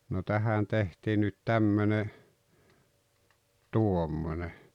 no tähän tehtiin nyt tämmöinen tuommoinen